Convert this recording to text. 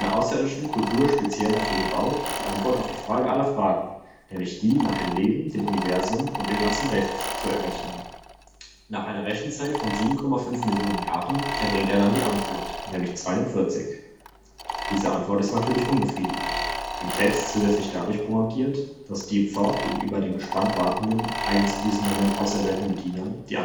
außerirdischen Kultur speziell dafür gebaut, die Antwort auf die Frage aller Fragen, nämlich die „ nach dem Leben, dem Universum und dem ganzen Rest “zu errechnen. Nach einer Rechenzeit von 7,5 Millionen Jahren erbringt er dann die Antwort, nämlich „ Zweiundvierzig “. Diese Antwort ist natürlich unbefriedigend – im Text zusätzlich dadurch pointiert, dass Deep Thought gegenüber den gespannt wartenden, eigens für diesen Moment auserwählten Bedienern die